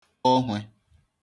kpọ hwe